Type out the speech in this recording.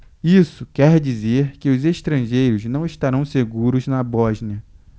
isso quer dizer que os estrangeiros não estarão seguros na bósnia